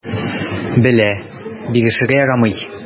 Белә: бирешергә ярамый.